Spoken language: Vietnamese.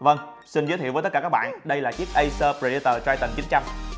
vâng xin giới thiệu với các bạn đây là chiếc acer predator triton